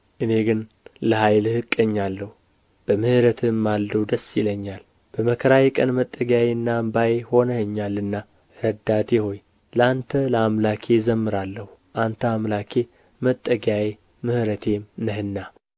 እኔ ግን ለኃይልህ እቀኛለሁ በምሕረትህም ማልዶ ደስ ይለኛል በመከራዬ ቀን መጠጊያዬና አምባዬ ሆነኸኛልና ረዳቴ ሆይ ለአንተ ለአምላኬ እዘምራለሁ አንተ አምላኬ መጠጊያዬ ምሕረቴም ነህና